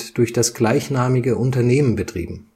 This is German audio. durch das gleichnamige Unternehmen betrieben